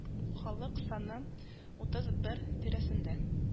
Халык саны утыз бер тирәсендә